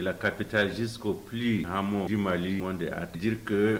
Kap taazsisp hamu bi malili mɔn de adijrike